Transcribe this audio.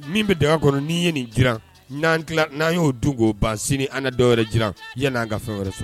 Min bɛ daga kɔnɔ ni'i ye nin jira n'an n'an y'o du k'o ba sini an dɔw yɛrɛ jira yan n'an ka fɛn wɛrɛ sɔrɔ